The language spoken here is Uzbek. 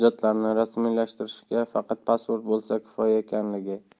rasmiylashtirishga faqat pasport bo'lsa kifoya ekanligi